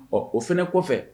Ɔ o fɛnɛ kɔfɛ